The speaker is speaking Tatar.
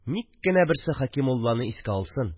Ник кенә берсе Хәкимулланы искә алсын